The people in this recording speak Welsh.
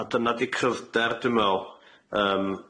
A a dyna di cryfder dwi me'wl yym.